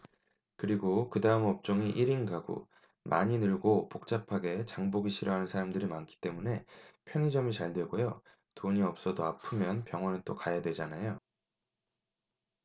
그리고 그다음 업종이 일 인 가구 많이 늘고 복잡하게 장보기 싫어하는 사람들이 많기 때문에 편의점이 잘되고요 돈이 없어도 아프면 병원은 또 가야 되잖아요